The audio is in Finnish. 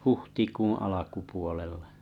huhtikuun alkupuolella